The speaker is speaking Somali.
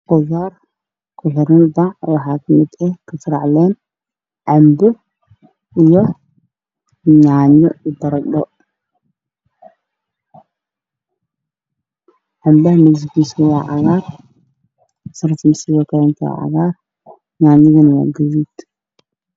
Waa meel ay yaalaan khudaar iskugu jirta liin kastoo yaanyo